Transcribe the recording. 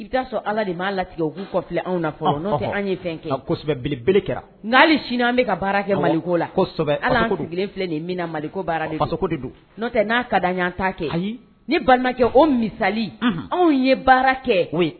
I'a sɔrɔ ala de' latigɛ u k'u fɔ fili fɔ an ye fɛn kɛsɛbɛele kɛra n'ale siniina an bɛka ka baara kɛ maliko lasɛbɛ ala kelen filɛ nin bɛna maliko baara tɛ n'a ka ta kɛ ni balimakɛ o misali anw ye baara kɛ koyi